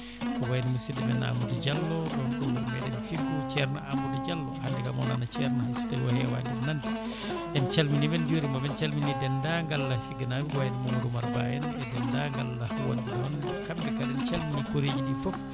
ko wayno musidɗo men Amadou Diallo ɗon ɗo wuuro meɗen Figga ceerno Amadou Diallo hande kam o nana ceerno hayso tawi o heewani ɗum nande en calminiɓe en jurimaɓe en calmini dendagal Lay Figga naaɓe ko wayno Mamadou Oumar Ba e dendagal ko woni toon kamɓe kala en calmini koorijiɗi foof